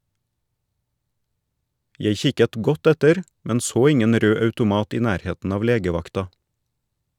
Jeg kikket godt etter, men så ingen rød automat i nærheten av legevakta.